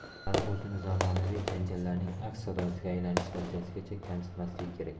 tarix o'zini zamonaviy janjallarning aks sadosiga aylanish darajasigacha kamsitmasligi kerak